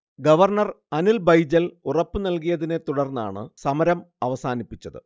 governor Anil Baijal ഉറപ്പു നൽകിയതിനെ തുടർന്നാണ് സമരം അവസാനിപ്പിച്ചത്